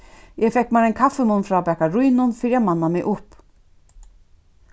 eg fekk mær ein kaffimunn frá bakarínum fyri at manna meg upp